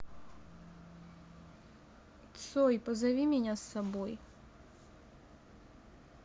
tsoy позови меня с собой